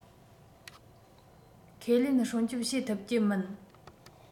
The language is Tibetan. ཁས ལེན སྲུང སྐྱོབ བྱེད ཐུབ ཀྱི མིན